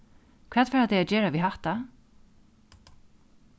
hvat fara tey at gera við hatta